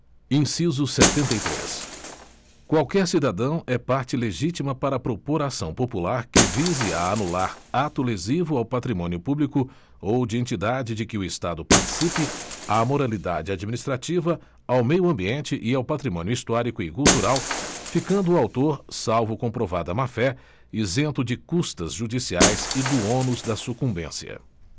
inciso setenta e três qualquer cidadão é parte legítima para propor ação popular que vise a anular ato lesivo ao patrimônio público ou de entidade de que o estado participe à moralidade administrativa ao meio ambiente e ao patrimônio histórico e cultural ficando o autor salvo comprovada má fé isento de custas judiciais e do ônus da sucumbência